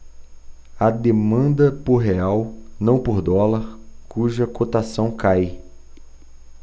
há demanda por real não por dólar cuja cotação cai